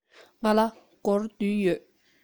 ང ལ སྒོར བདུན ཡོད